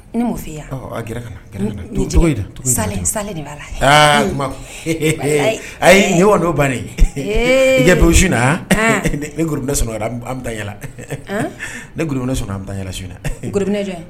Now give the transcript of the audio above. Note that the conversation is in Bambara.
Ne m'a fɔ ye, ɔ a gɛrɛ ka na, gɛrɛ ka na, nin cogo ye di salen de b'a la aa tuma ayi nin kɔni y'o bannen ye, i kɛ pewu su in na, ni gorobinɛ sunɔgɔra an bɛ taa an yala , ni gorobinɛ sunɔgɔra su in na na bɛ taa an yala, gorobinɛ uye jɔn ye